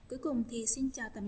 cuối cùng thì xin chào